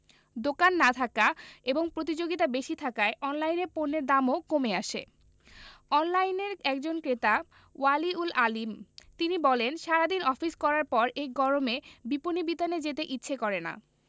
দোকান না থাকা এবং প্রতিযোগিতা বেশি থাকায় অনলাইনে পণ্যের দামও কমে আসে অনলাইনের একজন ক্রেতা ওয়ালি উল আলীম তিনি বলেন সারা দিন অফিস করার পর এই গরমে বিপণিবিতানে যেতে ইচ্ছে করে না